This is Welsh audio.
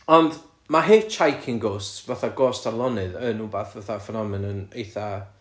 ond ma' hitchhiking ghosts fatha ghost ar lonydd yn wbath fatha phenomenon eitha...